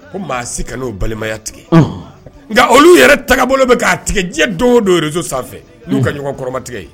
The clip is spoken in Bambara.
Ko maa si ka n'o balimaya tigɛ ɔnhɔn nka olu yɛrɛ tagabolo be k'a tigɛ diɲɛ don o do réseau sanfɛ n'u ka ɲɔgɔn kɔrɔmatigɛ ye